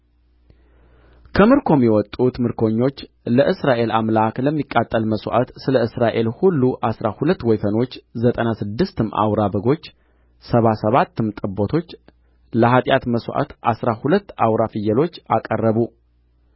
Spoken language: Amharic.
ከምርኮም የወጡት ምርኮኞች ለእስራኤል አምላክ ለሚቃጠል መሥዋዕት ስለ እስራኤል ሁሉ አሥራ ሁለት ወይፈኖች ዘጠና ስድስትም አውራ በጎች ሰባ ሰባትም ጠቦቶች ለኃጢአት መሥዋዕት አሥራ ሁለት አውራ ፍየሎች አቀረቡ